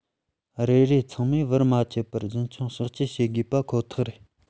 རེ རེ ཚང མས བར མ ཆད པར རྒྱུན འཁྱོངས གཤགས བཅོས བྱེད དགོས པ ཁོ ཐག རེད